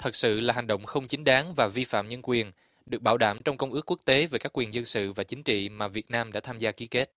thực sự là hành động không chính đáng và vi phạm nhân quyền được bảo đảm trong công ước quốc tế về các quyền dân sự và chính trị mà việt nam đã tham gia ký kết